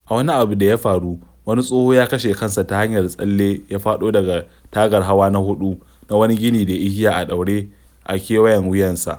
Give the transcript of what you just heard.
A wani abu da ya faru, wani tsoho ya kashe kansa ta hanyar tsalle ya faɗo daga tagar hawa na huɗu na wani gini da igiya a ɗaure a kewayen wuyansa.